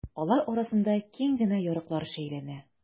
Алар арасында киң генә ярыклар шәйләнә.